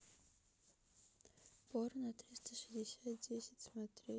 порно триста шестьдесят смотреть